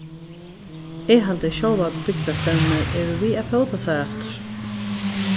eg haldi at sjálvar bygdarstevnurnar eru við at fóta sær aftur